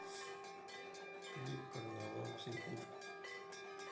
клип карнавал психушка